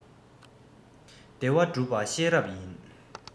བདེ བ བསྒྲུབ པ ཤེས རབ ཡིན